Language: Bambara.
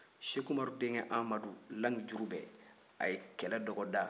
seku umaru denkɛ amadu lamijurubɛ a ye kɛlɛ dɔgɔda